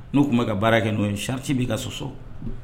N'u tun bɛ ka baara kɛ'o ye sici b'i ka sososɔ